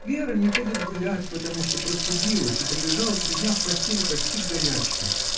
— Вера не ходит гулять, потому что простудилась и пролежала три дня в постели, почти в горячке.